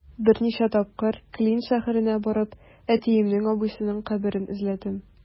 Берничә тапкыр Клин шәһәренә барып, әтиемнең абыйсының каберен эзләдем.